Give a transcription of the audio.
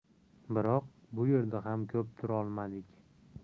biroq bu yerda ham ko'p turolmadik